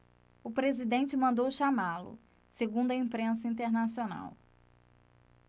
o presidente mandou chamá-lo segundo a imprensa internacional